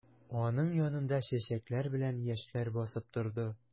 Аның янында чәчәкләр белән яшьләр басып торды.